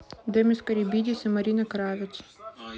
демис карибидис и марина кравец